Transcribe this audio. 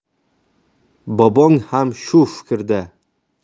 bobong ham shu fikrda